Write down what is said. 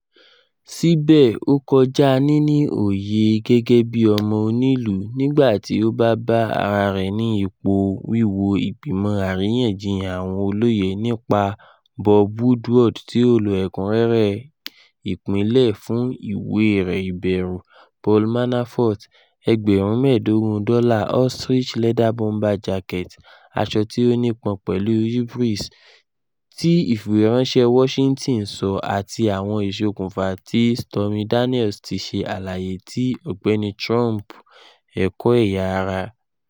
Sibẹ, o kọja nini oye gẹgẹbi ọmọ onilu nigba ti o ba ba ara rẹ ni ipo wiwo igbimọ ariyanjiyan awọn oloye nipa Bob Woodward ti o lo “ẹkunrẹrẹ ipinlẹ” fun iwe rẹ "Iberu," Paul Manafort $ 15.000 ostrich-leather bomber jaketi ("Aṣọ ti o nipọn pẹlu hubris," Ti Ifiweranṣẹ Washington sọ) ati awọn iṣokunfa ti Stormy Daniels ti ṣe alaye ti Ọgbẹni Trump, um, ẹkọ ẹya ara.